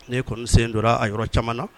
N kɔnisen tora a yɔrɔ caman na